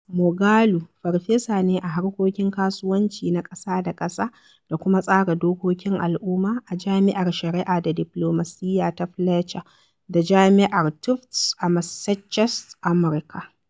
Moghalu farfesa ne a harkokin kasuwanci na ƙasa da ƙasa da kuma tsara dokokin al'umma a jami'ar Shari'a da Diplomasiyya ta Fletcher da Jami'ar Tufts a Massachesetts, Amurka.